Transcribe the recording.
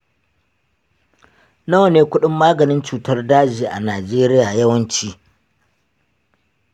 nawa ne kudin maganin cutar daji a najeriya yawanci?